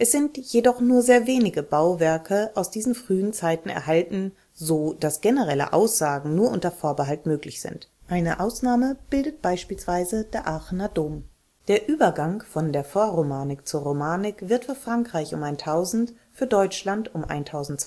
sind jedoch nur sehr wenige Bauwerke aus diesen frühen Zeiten erhalten, so dass generelle Aussagen nur unter Vorbehalt möglich sind; eine Ausnahme bildet beispielsweise der Aachener Dom. Der Übergang von der Vorromanik zur Romanik wird für Frankreich um 1000, für Deutschland um 1020/1030